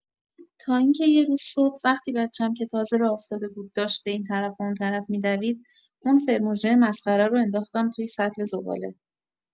تا اینکه یه روز صبح، وقتی بچه‌ام که تازه راه افتاده بود داشت به این‌طرف و آن‌طرف می‌دوید، اون فرمژه مسخره رو انداختم توی سطل زباله